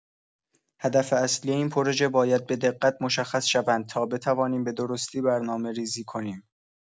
هدف اصلی این پروژه باید به‌دقت مشخص شوند تا بتوانیم به‌درستی برنامه‌ریزی کنیم.